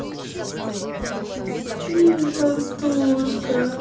фильм толстушка